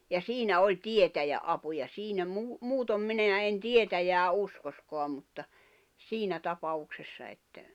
ja siinä oli tietäjän apu ja siinä - muuten minä en tietäjää uskoisikaan mutta siinä tapauksessa että